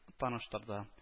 Таныштырды